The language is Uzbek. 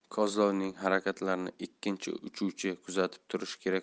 kozlovning harakatlarini ikkinchi uchuvchi kuzatib turishi